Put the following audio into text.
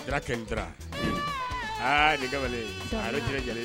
Sira kɛmɛ aa ni ale jeli